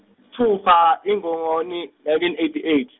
sitfupha, iNgongoni, nineteen eighty eight.